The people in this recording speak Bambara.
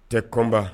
Tɛ kɔnbaban